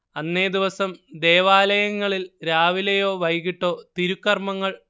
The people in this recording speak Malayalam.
അന്നേ ദിവസം ദേവാലയങ്ങളിൽ രാവിലെയോ വൈകീട്ടോ തിരുക്കർമ്മങ്ങൾ